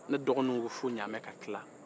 ne dɔgɔnin ko fo ɲaamɛ ka tila